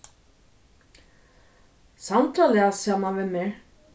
sandra las saman við mær